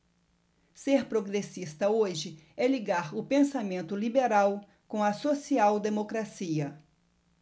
ser progressista hoje é ligar o pensamento liberal com a social democracia